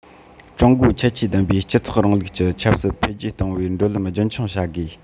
ཀྲུང གོའི ཁྱད ཆོས ལྡན པའི སྤྱི ཚོགས རིང ལུགས ཀྱི ཆབ སྲིད འཕེལ རྒྱས གཏོང བའི འགྲོ ལམ རྒྱུན འཁྱོངས བྱ དགོས